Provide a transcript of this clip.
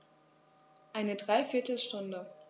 Eine dreiviertel Stunde